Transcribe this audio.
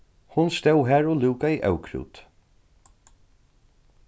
hon stóð har og lúkaði ókrút